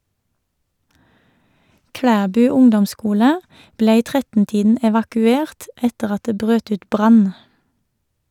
Klæbu ungdomsskole ble i 13-tiden evakuert etter at det brøt ut brann.